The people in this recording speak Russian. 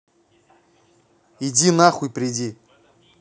иди нахуй приди